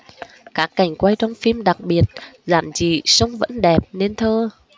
các cảnh quay trong phim đặc biệt giản dị song vẫn đẹp nên thơ